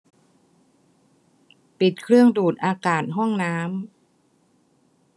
ปิดเครื่องดูดอากาศห้องน้ำ